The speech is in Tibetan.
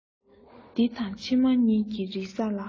འདི དང ཕྱི མ གཉིས ཀྱི རེ ས ལ